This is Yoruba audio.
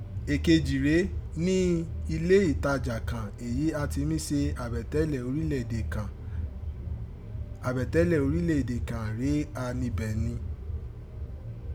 Èkejì rèé, ní ilé ìtajà kàn èyí án ti mí se àbẹ̀tẹ́lẹ̀ orílẹ̀ èdè kàn, àbẹ̀tẹ́lẹ̀ orílẹ̀ èdè kan rèé gha níbẹ̀ rin.